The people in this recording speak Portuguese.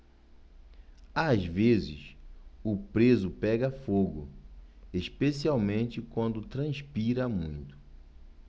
às vezes o preso pega fogo especialmente quando transpira muito